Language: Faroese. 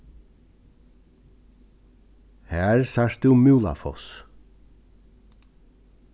har sært tú múlafoss